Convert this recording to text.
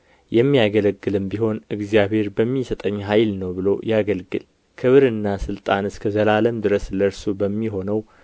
የሚያገለግልም ቢሆን እግዚአብሔር በሚሰጠኝ ኃይል ነው ብሎ ያገልግል ክብርና ሥልጣን እስከ ዘላለም ድረስ ለእርሱ በሚሆነው